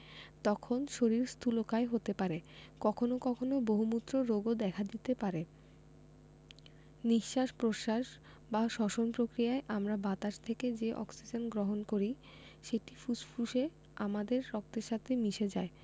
তখন শরীর স্থুলকায় হতে পারে কখনো কখনো বহুমূত্র রোগও দেখা দিতে পারে নিঃশ্বাস প্রশ্বাস বা শ্বসন প্রক্রিয়ায় আমরা বাতাস থেকে যে অক্সিজেন গ্রহণ করি সেটি ফুসফুসে আমাদের রক্তের সাথে মিশে যায়